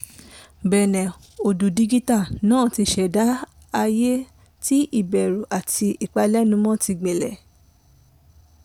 #Bénin Odù díjítà náà ti ṣẹ̀dá ayé tí ìbẹ̀rù àti ìpalẹ́numọ́ ti gbilẹ̀.